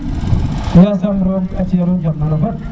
yàm roog a ci a nun jàm nuno fop